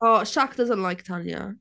Oh, Shaq doesn't like Tanya.